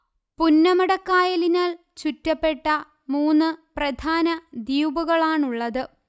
പുന്നമടക്കായലിനാൽ ചുറ്റപ്പെട്ട മൂന്ന് പ്രധാന ദ്വീപുകളാണുള്ളത്